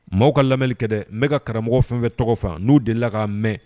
Maaw ka lamɛnlikɛ dɛ bɛ ka karamɔgɔ fɛnfɛ tɔgɔ faga n'u de la k ka mɛn